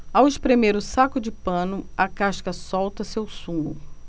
ao espremer o saco de pano a casca solta seu sumo